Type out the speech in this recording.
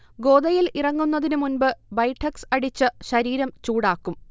ഗോദയിൽ ഇറങ്ങുന്നതിന് മുമ്പ് ബൈഠക്സ് അടിച്ച് ശരീരം ചൂടാക്കും